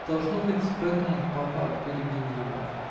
должно быть, поэтому папа перебил его.